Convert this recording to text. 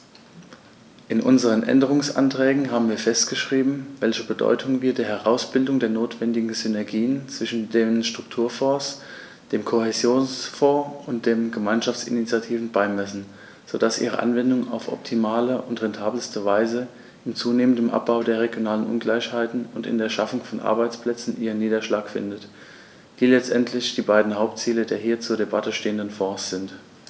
In unseren Änderungsanträgen haben wir festgeschrieben, welche Bedeutung wir der Herausbildung der notwendigen Synergien zwischen den Strukturfonds, dem Kohäsionsfonds und den Gemeinschaftsinitiativen beimessen, so dass ihre Anwendung auf optimale und rentabelste Weise im zunehmenden Abbau der regionalen Ungleichheiten und in der Schaffung von Arbeitsplätzen ihren Niederschlag findet, die letztendlich die beiden Hauptziele der hier zur Debatte stehenden Fonds sind.